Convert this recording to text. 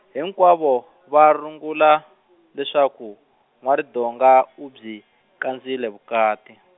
hinkwavo, va rungula, leswaku N'wa-Ridonga u byi, kandzile vukati.